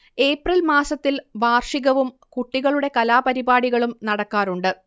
April മാസത്തിൽ വാർഷികവും കുട്ടികളുടെ കലാപരിപാടികളും നടക്കാറുണ്ട്